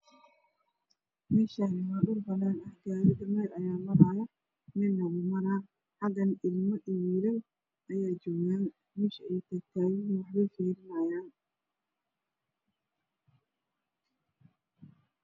Meeshaani waa dhul banaan gaari dameer ayaa marayo wilna wuu maraa xagana ilmo iyo wiilal ayaa joogan meesha ayey taahtaagan yihiin waxbay ayey fiirinayaan